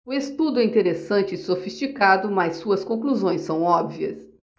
o estudo é interessante e sofisticado mas suas conclusões são óbvias